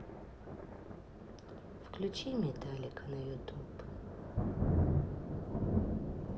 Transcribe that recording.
включи металлика на ютуб